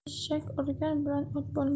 eshak urgan bilan ot bo'lmas